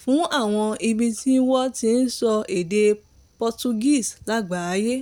fún àwọn ibi tí wọ́n ti ń sọ èdè Portuguese lágbàáyé.